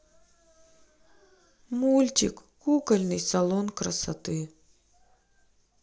мультик кукольный салон красоты